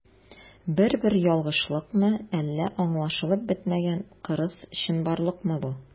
Бер-бер ялгышлыкмы, әллә аңлашылып бетмәгән кырыс чынбарлыкмы бу?